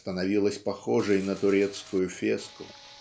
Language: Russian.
становилась похожей на турецкую феску"